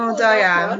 O da iawn.